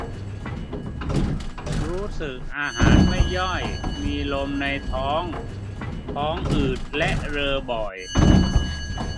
รู้สึกอาหารไม่ย่อยมีลมในท้องท้องอืดและเรอบ่อย